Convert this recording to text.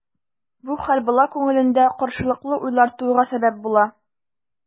Бу хәл бала күңелендә каршылыклы уйлар тууга сәбәп була.